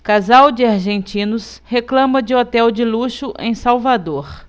casal de argentinos reclama de hotel de luxo em salvador